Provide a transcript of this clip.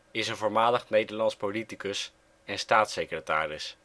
is een voormalig Nederlands politicus en staatssecretaris